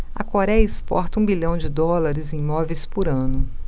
a coréia exporta um bilhão de dólares em móveis por ano